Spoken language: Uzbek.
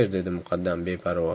dedi muqaddam beparvo